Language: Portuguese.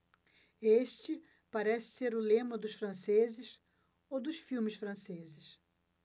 este parece ser o lema dos franceses ou dos filmes franceses